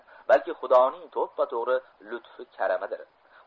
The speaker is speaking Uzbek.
balki xudoning to'ppa to'g'ri lutfi karamidir